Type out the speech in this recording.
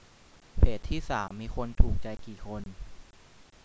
เพจที่สามมีคนถูกใจกี่คน